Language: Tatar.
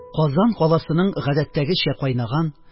Казан каласының гадәттәгечә кайнаган